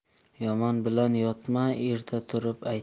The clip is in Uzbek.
yomon bilan yotma erta turib aytma